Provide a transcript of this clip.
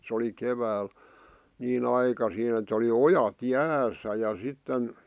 se oli keväällä niin aikaisin että oli ojat jäässä ja sitten